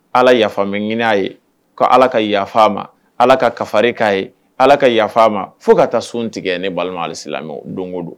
Ala yafag ye ka ala ka yafa ma ala ka kari' ye ala ka yafaaama fo ka taa sun tigɛ ne balimasi o don don